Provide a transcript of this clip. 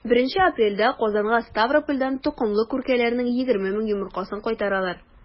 1 апрельдә казанга ставропольдән токымлы күркәләрнең 20 мең йомыркасын кайтаралар.